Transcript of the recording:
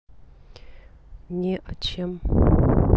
не о чем